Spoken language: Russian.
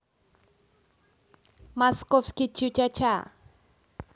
московский чу ча ча